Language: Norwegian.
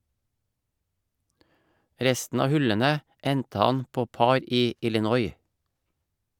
Resten av hullene endte han på par i Illinois.